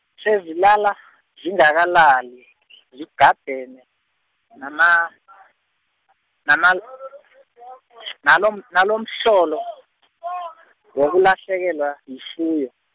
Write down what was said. sezilala zingakalali , zigadene, nama-, namal-, nalom- nalomhlolo, wokulahlekelwa yifuyo.